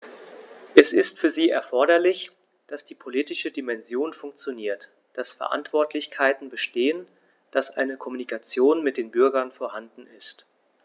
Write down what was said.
Es ist für sie erforderlich, dass die politische Dimension funktioniert, dass Verantwortlichkeiten bestehen, dass eine Kommunikation mit den Bürgern vorhanden ist.